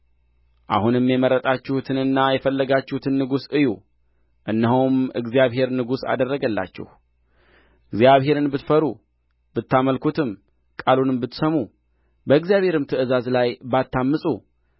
አሁንም የመረጣችሁትንና የፈለጋችሁትን ንጉሥ እዩ እነሆም እግዚአብሔር ንጉሥ አደረገላችሁ እግዚአብሔርን ብትፈሩ ብታመልኩትም ቃሉንም ብትሰሙ በእግዚአብሔርም ትእዛዝ ላይ ባታምፁ